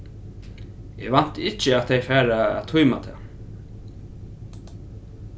eg vænti ikki at tey fara at tíma tað